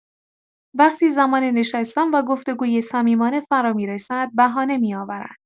وقتی زمان نشستن و گفت‌وگوی صمیمانه فرامی‌رسد، بهانه می‌آورند.